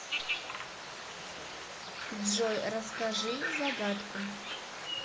джой расскажи загадку